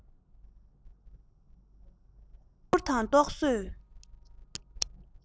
ལྐོག འགྱུར དང རྟོག བཟོས